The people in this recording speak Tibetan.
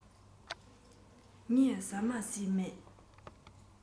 ངས ཟ མ ཟོས མེད